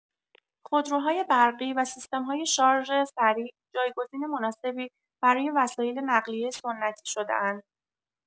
خودروهای برقی و سیستم‌های شارژ سریع، جایگزین مناسبی برای وسایل نقلیه سنتی شده‌اند.